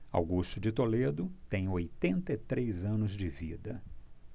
augusto de toledo tem oitenta e três anos de vida